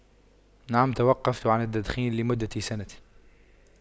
نعم توقفت عن التدخين لمدة سنة